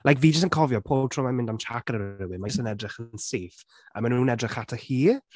Like, fi jyst yn cofio pob tro mae’n mynd am chat gyda rhywun, mae just yn edrych yn syth a maen nhw’n edrych ato hi?